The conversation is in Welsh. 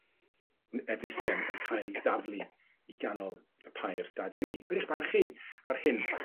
m- Efnisien yn cael 'i daflu i ganol y pair dadeni. Be' dych barn chi ar hyn? yr eich barn chi?